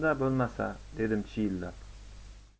bo'lmasa dedim chiyillab